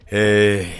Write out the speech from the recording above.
Ɛɛ